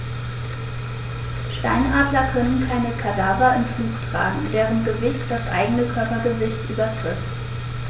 Steinadler können keine Kadaver im Flug tragen, deren Gewicht das eigene Körpergewicht übertrifft.